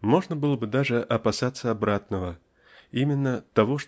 Можно было бы даже опасаться обратного именно того